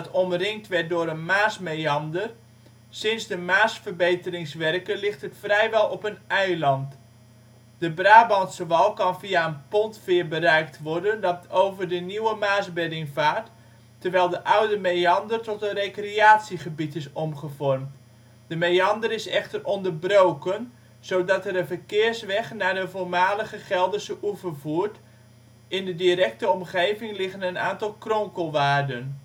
omringd werd door een maasmeander, sinds de Maasverbeteringswerken ligt het vrijwel op een eiland. De Brabantse wal kan via een pontveer bereikt worden dat over de nieuwe Maasbedding vaart, terwijl de oude meander tot een recreatiegebied is omgevormd. De meander is echter onderbroken, zodat er een verkeersweg naar de voormalige Gelderse oever voert. In de directe omgeving liggen een aantal kronkelwaarden